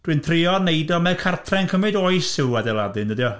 Dwi'n trio wneud o... mae cartre yn cymryd oes i'w adeiladu yn dydi o?